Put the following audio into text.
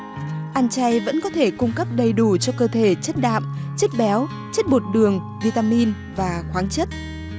ăn chay vẫn có thể cung cấp đầy đủ cho cơ thể chất đạm chất béo chất bột đường vi ta min và khoáng chất